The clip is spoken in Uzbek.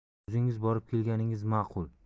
o'zingiz borib kelganingiz ma'qul